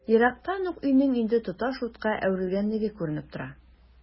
Ерактан ук өйнең инде тоташ утка әверелгәнлеге күренеп тора.